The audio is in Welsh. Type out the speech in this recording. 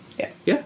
Ia... Ia?